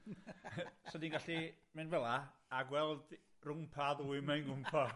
so ti'n gallu mynd fel 'a, a gweld rhwng pa ddwy mae'n gwmpo.